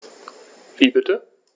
Wie bitte?